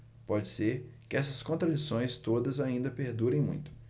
pode ser que estas contradições todas ainda perdurem muito